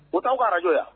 O t'aw ka radio ye?